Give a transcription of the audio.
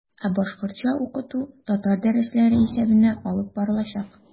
Ә башкортча укыту татар дәресләре исәбенә алып барылачак.